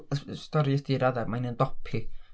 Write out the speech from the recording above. Y s- stori ydy i raddau mae'n ymdopi.